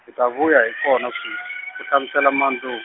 hi ta vuya hi kona sweswi ku hlamusela Madou.